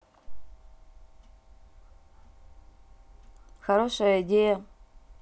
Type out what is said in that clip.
хорошая идея